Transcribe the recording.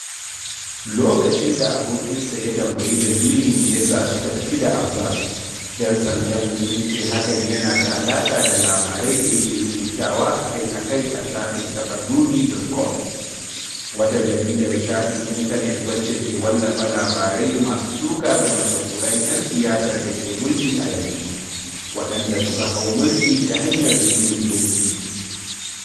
Lokacin da abokinsa ya tambayi dalilin da ya sa suka tafi da Abbass, ‘yan sandan sun ce hakan yana da alaƙa da labarai da yake rubutawa akai-akai a shafin Taqadoumy.com, wata jaridar shafin intanet wacce ke wallafa labarai masu suka ga mashahuran 'yan siyasar dake mulki a yanzu, waɗanda suka hau mulki ta hanyar juyin mulki.